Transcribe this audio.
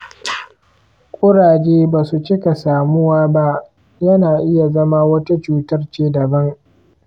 kuraje basu cika samuwa ba; yana iya zama wata cutar ce daban.